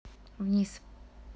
вниз